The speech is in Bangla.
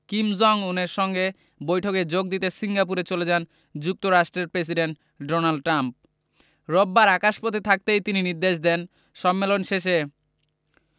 কিম জং উনের সঙ্গে বৈঠকে যোগ দিতে সিঙ্গাপুরে চলে যান যুক্তরাষ্ট্রের প্রেসিডেন্ট ডোনাল্ড ট্রাম্প রোববার আকাশপথে থাকতেই তিনি নির্দেশ দেন সম্মেলন শেষে